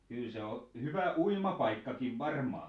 kyllä se on hyvä uimapaikkakin varmaan